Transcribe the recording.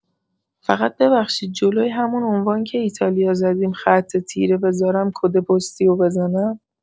فقط ببخشید جلوی همون عنوان که ایتالیا زدیم خط تیره بزارم کد پستی رو بزنم؟